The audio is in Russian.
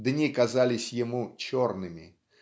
дни казались ему "черными"